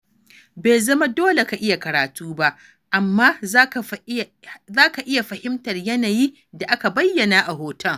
Bai zama dole ka iya karatu ba, amma za ka iya fahimtar yanayi da aka bayyana a hoton.